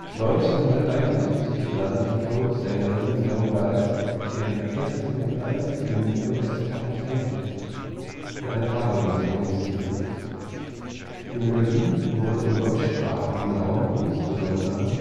1971 landete Folksängerin Joan Baez ihren ersten und einzigen US-Top-Ten-Hit mit einer Cover-Version des Titels; die Melodie wurde im deutschsprachigen Raum insbesondere